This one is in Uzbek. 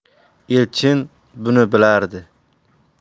elchin buni bilardi